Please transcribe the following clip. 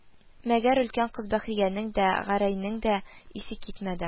Мәгәр өлкән кыз Бәхриянең дә, Гәрәйнең дә исе китмәде